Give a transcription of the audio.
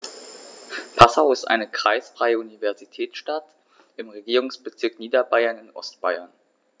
Passau ist eine kreisfreie Universitätsstadt im Regierungsbezirk Niederbayern in Ostbayern.